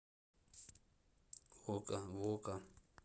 вока вока